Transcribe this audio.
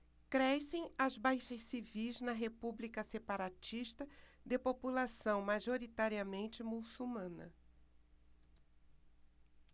crescem as baixas civis na república separatista de população majoritariamente muçulmana